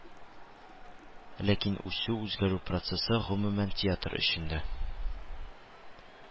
Ләкин үсү, үзгәрү процессы, гомумән, театр өчен дә,